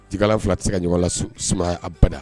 D fila tɛ se ka ɲɔgɔn la sama sumaya a bada